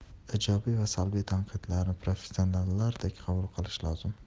ijobiy va salbiy tanqidlarni professionallardek qabul qilish lozim